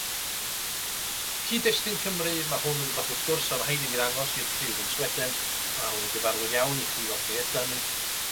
Cyd-destun Cymru, ma' hwn yn rywbath wrth gwrs o' rhaid i fi ddangos i'r criw yn Sweden ma' hwn yn gyfarwydd iawn i chi o lle ydan ni.